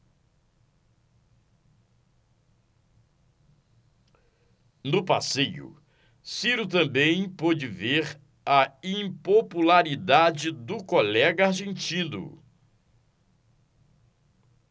no passeio ciro também pôde ver a impopularidade do colega argentino